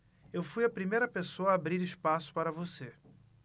eu fui a primeira pessoa a abrir espaço para você